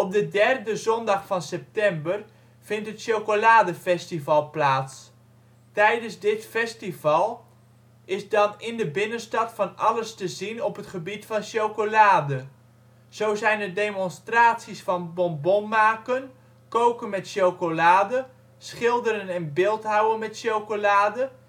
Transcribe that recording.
de derde zondag van september vindt het Chocoladefestival plaats. Tijdens dit festival is dan in de binnenstad van alles te zien op het gebied van chocolade. Zo zijn er demonstraties van bonbonmaken, koken met chocolade, schilderen en beeldhouwen met chocolade